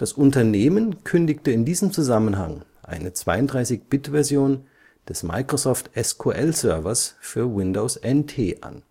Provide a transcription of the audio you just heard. Unternehmen kündigte in diesem Zusammenhang eine 32-Bit-Version des Microsoft SQL Servers für Windows NT an